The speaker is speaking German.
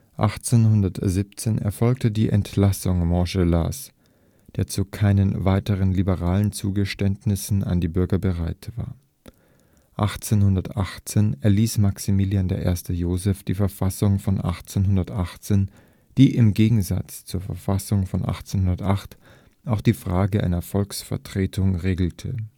1817 erfolgte die Entlassung Montgelas, der zu keinen weiteren liberalen Zugeständnissen an die Bürger bereit war. 1818 erließ Maximilian I. Joseph die Verfassung von 1818, die im Gegensatz zur Verfassung von 1808 auch die Frage einer Volksvertretung regelte